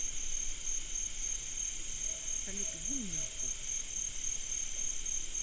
салют иди на хуй